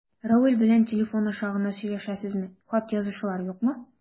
Равил белән телефон аша гына сөйләшәсезме, хат язышулар юкмы?